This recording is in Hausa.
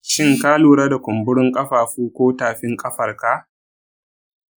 shin ka lura da kumburin ƙafafu ko tafin ƙafarka?